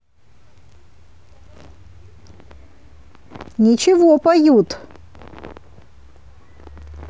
ничего поют